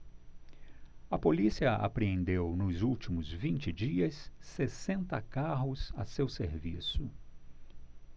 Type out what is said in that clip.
a polícia apreendeu nos últimos vinte dias sessenta carros a seu serviço